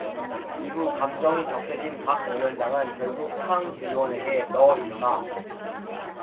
이후 감정이 격해진 박 위원장은 결국 황 의원에게 너 임마